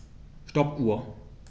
Stoppuhr.